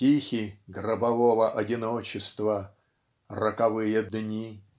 Тихи гробового одиночества Роковые дни.